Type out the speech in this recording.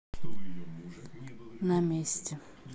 на месте